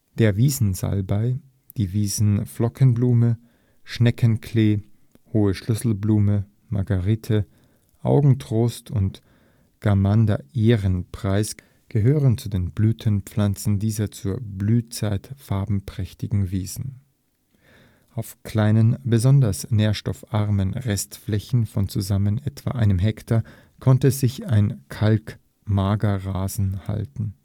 Der Wiesen-Salbei, die Wiesen-Flockenblume, Schneckenklee, Hohe Schlüsselblume, Margerite, Augentrost und Gamander-Ehrenpreis gehören zu den Blütenpflanzen dieser zur Blühzeit farbenprächtigen Wiesen. Auf kleinen, besonders nährstoffarmen Restflächen von zusammen etwa einem Hektar konnte sich ein Kalk-Magerrasen halten